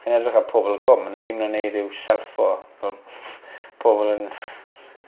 Chi'n edrych ar Pobl y Cwm a 'na gy' ma' nw'n neud yw shelffo ch'o' pobol yn